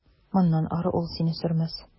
Моннан ары ул сине сөрмәс.